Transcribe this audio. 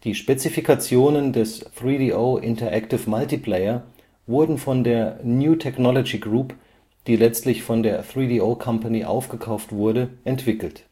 Spezifikationen des 3DO Interactive Multiplayer wurden von der New Technology Group, die letztlich von der 3DO Company aufgekauft wurde, entwickelt